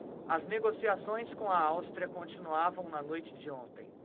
as negociações com a áustria continuavam na noite de ontem